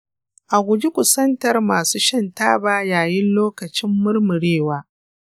a guji kusantar masu shan taba yayin lokacin murmurewa.